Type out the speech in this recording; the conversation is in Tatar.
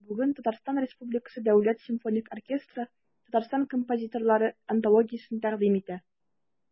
Бүген ТР Дәүләт симфоник оркестры Татарстан композиторлары антологиясен тәкъдим итә.